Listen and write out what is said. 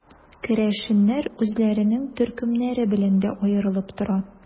Керәшеннәр үзләренең төркемнәре белән дә аерылып тора.